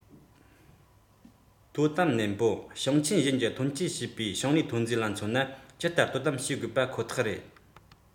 དོ དམ ནན པོ ཞིང ཆེན གཞན གྱི ཐོན སྐྱེད བྱས པའི ཞིང ལས ཐོན རྫས ལ མཚོན ན ཇི ལྟར དོ དམ བྱེད དགོས པ ཁོ ཐག རེད